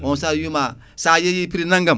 on saaha mi wima sa yeyi prix nagam